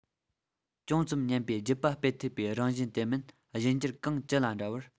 ཅུང ཙམ ཉམས པའི རྒྱུད པ སྤེལ ཐུབ པའི རང བཞིན དེ མིན གཞན འགྱུར གང ཅི ལ འདྲ བར